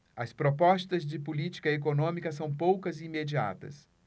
as propostas de política econômica são poucas e imediatas